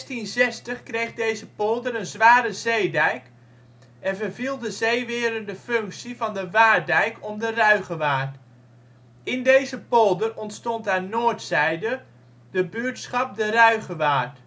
In 1660 kreeg deze polder een zware zeedijk en verviel de zeewerende functie van de Waarddijk om de Ruigewaard. In deze polder ontstond aan noordzijde het buurtschap De Ruigewaard.